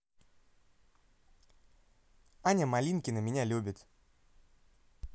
аня малинкина меня любит